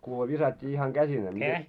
kuule viskattiin ihan käsineen niin